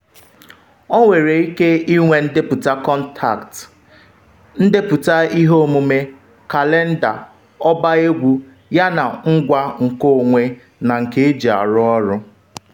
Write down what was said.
Ọ nwere ike inwe ndepụta kọntaktị, ndepụta ihe omume, kalenda, ọba egwu yana ngwa nkeonwe na nke eji arụ ọrụ.